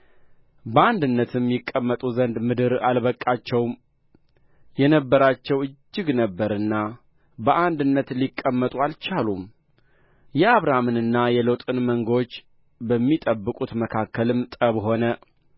በዚያም ዘመን ከነዓናውያንና ፌርዛውያን በዚያች ምድር ተቀምጠው ነበር አብራምም ሎጥን አለው እኛ ወንድማማች ነንና በእኔና በአንተ በእረኞቼና በእረኞችህ መካከል ጠብ እንዳይሆን እለምንሃለሁ